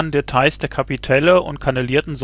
Details der Kapitelle und kannelierten